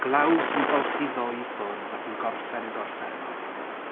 Glaw sy'n golchi ddoe i ffwrdd ac yn gorffen y gorffennol,